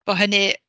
Bod hynny...